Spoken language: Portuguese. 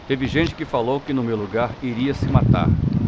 teve gente que falou que no meu lugar iria se matar